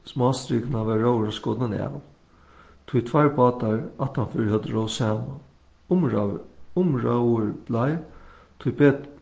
varð róðurin skotin av tí tveir bátar aftanfyri høvdu róð saman umróður bleiv